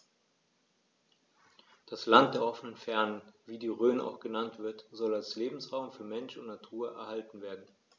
Das „Land der offenen Fernen“, wie die Rhön auch genannt wird, soll als Lebensraum für Mensch und Natur erhalten werden.